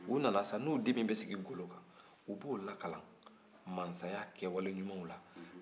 u nana sa n'u den min bɛ sigi golo kunna u b'o lakalan masaya kɛwale ɲumanw na